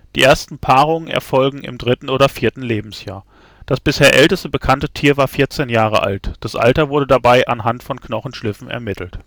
Die ersten Paarungen erfolgen im dritten oder vierten Lebensjahr. Das bisher älteste bekannte Tier war 14 Jahre alt, das Alter wurde dabei anhand von Knochenschliffen ermittelt